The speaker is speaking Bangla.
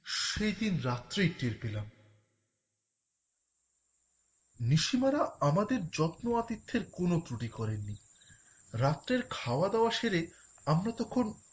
সেদিন রাত্রেই টের পেলাম নিশি মারা আমাদের যত্ন আতিথ্যের কোনো ত্রুটি করেননি রাত্রের খাওয়া দাওয়া সেরে আমরা তখন